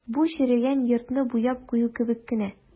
Бу черегән йортны буяп кую кебек кенә.